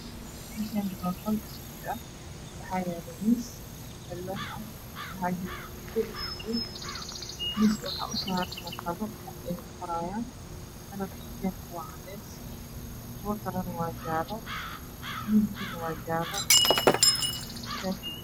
Meshani waa qol isguul waxaa yala mis alwaxah waxaa joogo gabdho iyo wiilaal miis ka waxaa usaran warqado wax ayeey qorayan kalarka xijabku waa cadees kuwa kalana waa jalo wiilkana waa jalo sharkisa